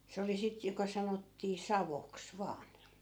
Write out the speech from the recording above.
se oli sitten joka sanottiin saoksi vain